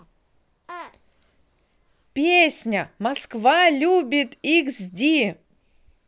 песня москва любит xd